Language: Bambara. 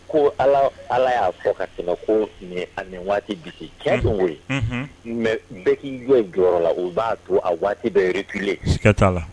Ko ala y'a fɔ ka tɛmɛ ko a nin waati bi kɛgo ye mɛ bɛɛkii jɔyɔrɔ la u b'a to a waati bɛɛ yiri tile'a la